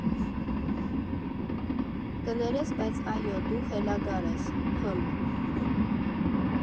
Կներես, բայց այո, դու խելագար ես ֊ խմբ.